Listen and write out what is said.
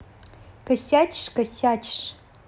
косячишь косячишь